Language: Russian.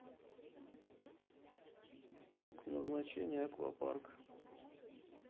пункт назначения аквапарк